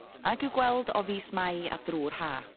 ag i'w gweld o fis Mai a drw'r Ha.